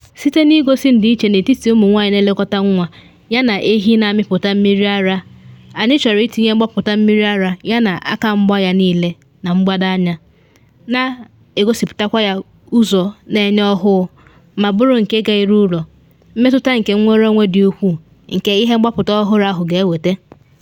Site na igosi ndịiche n’etiti ụmụ nwanyị na elekọta nwa yana ehi na amịpụta mmiri ara anyị chọrọ itinye mgbapụta mmiri ara yana aka mgba ya niile na mgbado anya, na egosipụtakwa ya ụzọ na enye ọhụụ ma bụrụ nke gaa eru ụlọ, mmetụta nke nnwere onwe dị ukwuu nke ihe mgbapụta ọhụrụ ahụ ga-ewete.